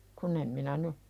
kun en minä nyt